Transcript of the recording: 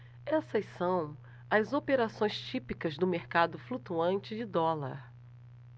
essas são as operações típicas do mercado flutuante de dólar